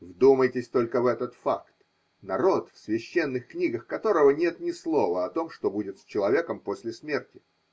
Вдумайтесь только в этот факт: народ, в священных книгах которого нет ни слова о том, что будет с человеком после смерти!